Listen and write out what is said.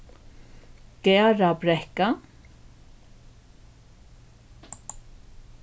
garðabrekka